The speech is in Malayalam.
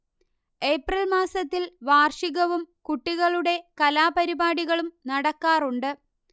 ഏപ്രിൽ മാസത്തിൽ വാർഷികവും കുട്ടികളുടെ കലാപരിപാടികളും നടക്കാറുണ്ട്